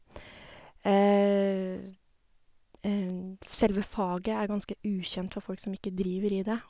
f Selve faget er ganske ukjent for folk som ikke driver i det.